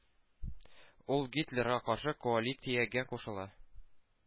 Ул гитлерга каршы коалициягә кушыла.